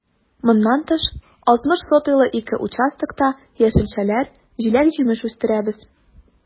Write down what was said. Моннан тыш, 60 сотыйлы ике участокта яшелчәләр, җиләк-җимеш үстерәбез.